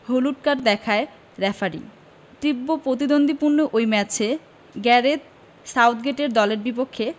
হলুদ কার্ড দেখায় রেফারি তীব্য প্রতিদ্বন্দ্বিপূর্ণ ওই ম্যাচে গ্যারেথ সাউথগেটের দলের বিপক্ষে